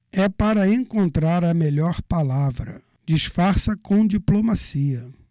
é para encontrar a melhor palavra disfarça com diplomacia